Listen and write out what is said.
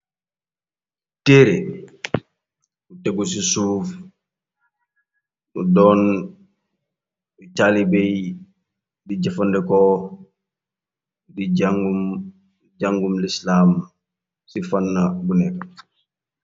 Téere lu tegu ci suuf mu doon u taalibéy di jëfandeko jàngumlislam ci fanna bu nekka.